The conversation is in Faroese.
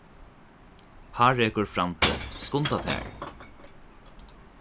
hárekur frændi skunda tær